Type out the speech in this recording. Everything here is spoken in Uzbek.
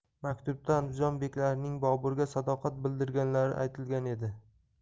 maktubda andijon beklarining boburga sadoqat bildirganlari aytilgan edi